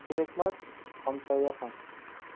kerak emas hamsoya ham